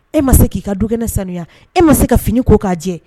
E ma se k'i ka dukɛnɛ saniya e ma se ka fini ko k'a jɛ